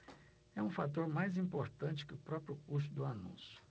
é um fator mais importante que o próprio custo do anúncio